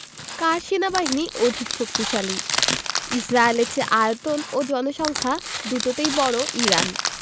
কার সেনাবাহিনী অধিক শক্তিশালী ইসরায়েলের চেয়ে আয়তন ও জনসংখ্যা দুটোতেই বড় ইরান